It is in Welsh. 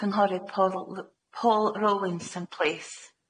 Cynghorydd Paul L- Paul Rowlinson plîs.